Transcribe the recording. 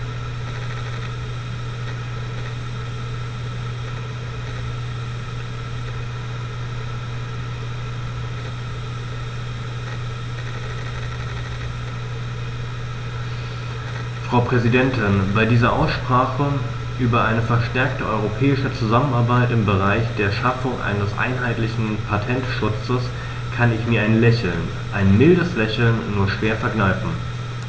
Frau Präsidentin, bei dieser Aussprache über eine verstärkte europäische Zusammenarbeit im Bereich der Schaffung eines einheitlichen Patentschutzes kann ich mir ein Lächeln - ein mildes Lächeln - nur schwer verkneifen.